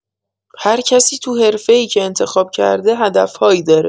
هر کسی تو حرفه‌ای که انتخاب کرده، هدف‌هایی داره.